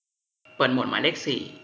เปิดโหมดหมายเลขสี่